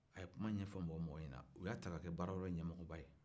a ye kuma ɲɛfɔ mɔgɔ-mɔgɔ ɲɛna u y'a ta ka kɛ baara yɔrɔ ɲɛmɔgɔba ye